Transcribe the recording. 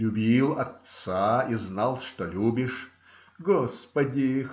Любил отца и знал, что любишь. Господи!